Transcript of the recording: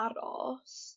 aros